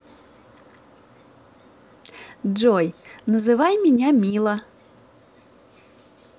джой называй меня мила